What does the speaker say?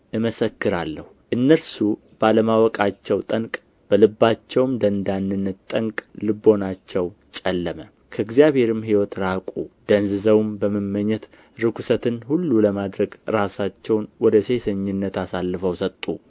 እመሰክራለሁ እነርሱ ባለማወቃቸው ጠንቅ በልባቸውም ደንዳንነት ጠንቅ ልቡናቸው ጨለመ ከእግዚአብሔርም ሕይወት ራቁ ደንዝዘውም በመመኘት ርኵሰትን ሁሉ ለማድረግ ራሳቸውን ወደ ሴሰኝነት አሳልፈው ሰጡ